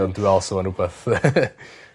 Ie ond dwi me'wl sa fo'n rwbeth...